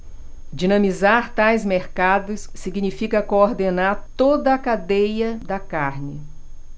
dinamizar tais mercados significa coordenar toda a cadeia da carne